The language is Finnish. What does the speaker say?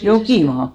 Jokimaan